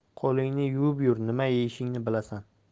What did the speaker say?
qo'lingni yuvib yur nima yeyishingni bilasan